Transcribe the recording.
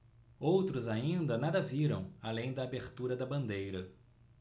outros ainda nada viram além da abertura da bandeira